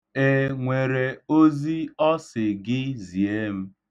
E nwere ozi ọ sị gị zie m?